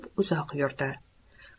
uzoq yurdi